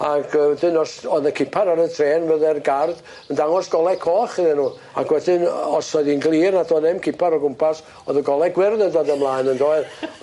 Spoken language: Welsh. Ag yy wedyn os oedd y cipar ar y trên fydde'r guard yn dangos gole coch iddyn nw ag wedyn os oedd hi'n glir nad oedd 'im cipar o gwmpas o'dd y gole gwyrdd yn dod ymlaen yndoedd?